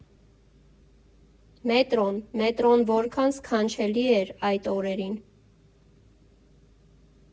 Մետրո՜ն, մետրոն որքան սքանչելին էր այդ օրերին։